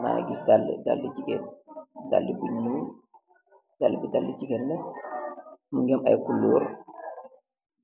Maangy gis daali, daali gigain, daali bi njull, daali bi daali gigain la, mungy am iiy couleur